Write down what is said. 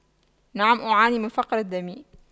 نعم أعاني من فقر الدم